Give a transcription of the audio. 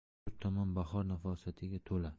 to'rt tomon bahor nafosatiga to'la